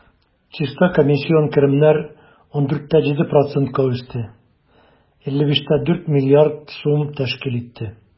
Чиста комиссион керемнәр 14,7 %-ка үсте, 55,4 млрд сум тәшкил итте.